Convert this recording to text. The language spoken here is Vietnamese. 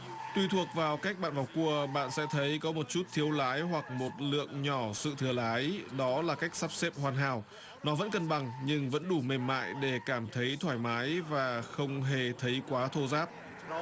tùy thuộc vào cách bạn vào cua bạn sẽ thấy có một chút thiếu lái hoặc một lượng nhỏ sự thừa lái đó là cách sắp xếp hoàn hảo nó vẫn cân bằng nhưng vẫn đủ mềm mại để cảm thấy thoải mái và không hề thấy quá thô ráp